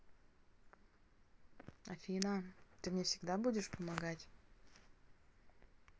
афина ты мне всегда будешь помогать